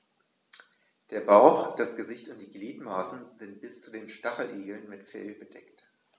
Der Bauch, das Gesicht und die Gliedmaßen sind bei den Stacheligeln mit Fell bedeckt.